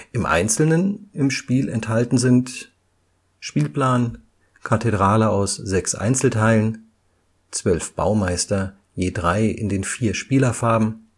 Im Einzelnen im Spiel enthalten sind: Spielplan Kathedrale aus 6 Einzelteilen 12 Baumeister, je 3 in den 4 Spielerfarben